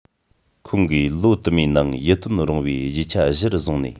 ཁོང གིས ལོ དུ མའི ནང ཡིད རྟོན རུང བའི རྒྱུ ཆ གཞིར བཟུང ནས